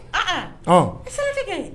A sirajɛtigi